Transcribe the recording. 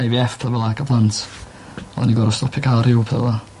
Eye Vee Eff petha fel 'a ca'l plant o'n i gor'o' stopio ca'l rhyw a petha fel 'a.